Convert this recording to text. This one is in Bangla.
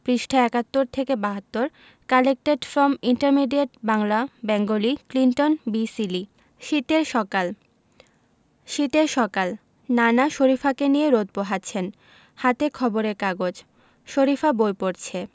পৃষ্ঠাঃ ৭১ থেকে ৭২ collected from intermediate Bangla Bengali Clinton B Seely শীতের সকাল শীতের সকাল নানা শরিফাকে নিয়ে রোদ পোহাচ্ছেন হাতে খবরের কাগজ শরিফা বই পড়ছে